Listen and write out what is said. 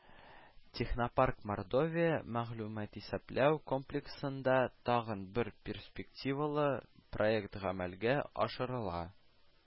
“технопарк-мордовия” мәгълүматисәпләү комплексында тагын бер перспективалы проект гамәлгә ашырыла